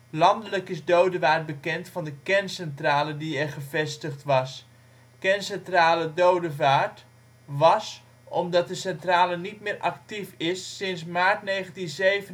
Landelijk is Dodewaard bekend van de kerncentrale die er gevestigd is/was, Kerncentrale Dodewaard. Was, omdat de centrale niet meer actief is sinds maart 1997